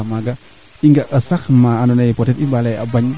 to ande moos xaƴna baa refeerna no qol lewo